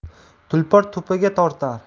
tulpor tubiga tortar